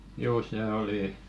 juu se oli